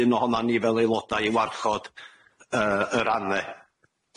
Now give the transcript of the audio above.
un ohonon ni fel aelodau i warchod yy yr anne.